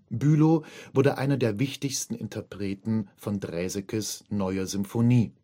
Bülow wurde einer der wichtigsten Interpreten von Draesekes neuer Symphonie